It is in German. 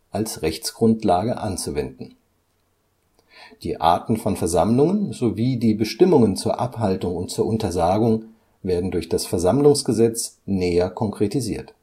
als Rechtsgrundlage anzuwenden. Die Arten von Versammlungen sowie die Bestimmungen zur Abhaltung und zur Untersagung werden durch das Versammlungsgesetz näher konkretisiert